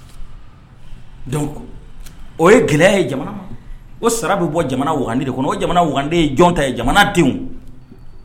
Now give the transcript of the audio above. Donc o ye gɛlɛya ye jamana ma, o sara bɛ bɔ jamana wakaden de kɔnɔ o jamana wakaden ye jɔn ta ye jamana denw.